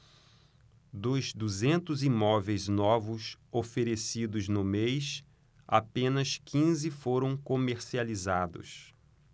dos duzentos imóveis novos oferecidos no mês apenas quinze foram comercializados